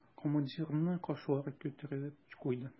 Командирның кашлары күтәрелеп куйды.